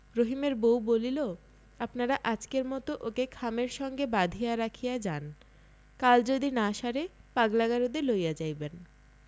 রহিমের বউ বলিল আপনারা আজকের মতো ওকে খামের সঙ্গে বাঁধিয়া রাখিয়া যান কাল যদি না সারে পাগলা গারদে লইয়া যাইবেন